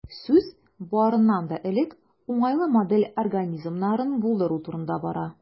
Сүз, барыннан да элек, уңайлы модель организмнарын булдыру турында бара.